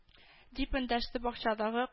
—дип эндәште бакчадагы